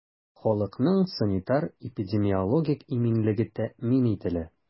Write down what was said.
Халыкның санитар-эпидемиологик иминлеге тәэмин ителә.